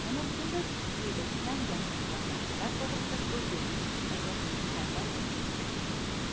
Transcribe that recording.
nima uchundir uyda kam gapiriladigan narsalar togrisida soz yuritish istagi paydo bolishini payqadi